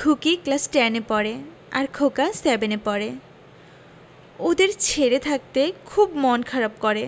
খুকি class ten এ পড়ে আর খোকা সেভেন এ পড়ে ওদের ছেড়ে থাকতে খুব মন খারাপ করে